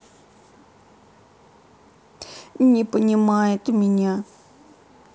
не понимает меня